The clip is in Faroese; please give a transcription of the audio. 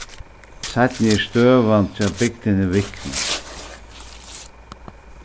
seinni er støðan hjá bygdini viknað